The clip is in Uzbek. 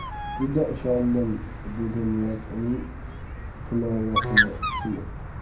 juda ishondim dedi niyoz uning kinoyasini tushunib